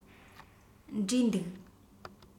འབྲས འདུག